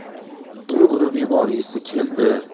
uni urib yuborgisi keldi